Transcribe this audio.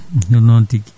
ko noon tigui